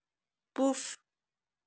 بوف